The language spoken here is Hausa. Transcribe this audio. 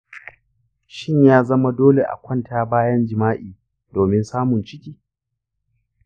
shin ya zama dole a kwanta bayan jima’i domin samun ciki?